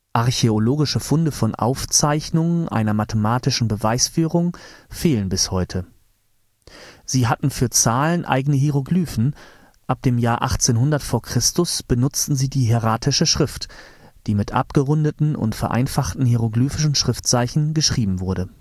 Archäologische Funde von Aufzeichnungen einer mathematischen Beweisführung fehlen bis heute. Sie hatten für Zahlen eigene Hieroglyphen, ab dem Jahr 1800 v. Chr. benutzten sie die hieratische Schrift, die mit abgerundeten und vereinfachten hieroglyphischen Schriftzeichen geschrieben wurde